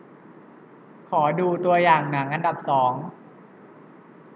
ขอดูตัวอย่างหนังอันดับสอง